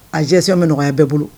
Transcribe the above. A gestion bɛ nɔgɔya bɛɛ bolo.